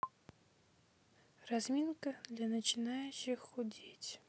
разминка для начинающих худеть